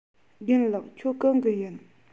རྒན ལགས ཁྱེད གང གི ཡིན